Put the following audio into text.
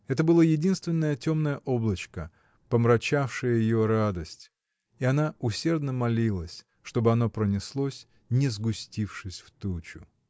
Это было единственное темное облачко, помрачавшее ее радость, и она усердно молилась, чтобы оно пронеслось, не сгустившись в тучу.